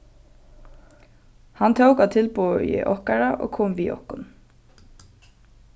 hann tók av tilboði okkara og kom við okkum